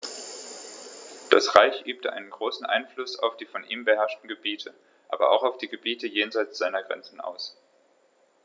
Das Reich übte einen großen Einfluss auf die von ihm beherrschten Gebiete, aber auch auf die Gebiete jenseits seiner Grenzen aus.